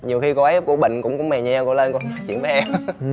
nhiều khi cô ấy cô bệnh cũng mè nheo cô lên nói chuyện với em